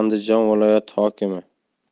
andijon viloyati hokimi